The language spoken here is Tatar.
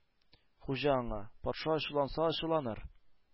Хуҗа аңа: Патша ачуланса ачуланыр,